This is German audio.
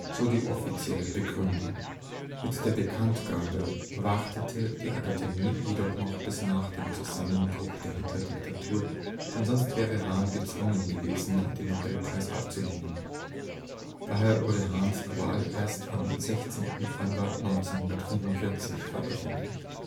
so die offizielle Begründung. Mit der Bekanntgabe wartete die Akademie jedoch bis nach dem Zusammenbruch der Hitler-Diktatur, denn sonst wäre Hahn gezwungen gewesen, den Nobelpreis abzulehnen. Daher wurde Hahns Wahl erst am 16. November 1945 veröffentlicht